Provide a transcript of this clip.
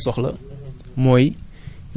donc suuf yi ñu gën a soxla